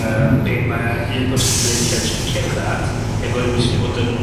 yym be' mae yy un person jyst yn cerddad, efo rywyn sy i 'di bod yn